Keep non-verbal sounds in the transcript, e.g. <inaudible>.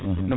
<hesitation> <hesitation>